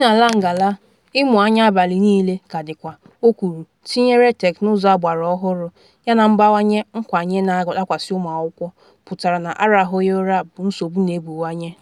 Omenala ngala ‘ịmụ anya abalị niile’ ka dịkwa, o kwuru, tinyere teknụzụ agbara ọhụrụ yana mbawanye nkwanye na-adakwasa ụmụ akwụkwọ, pụtara na arahụghị ụra bụ nsogbu n’ebuwaye.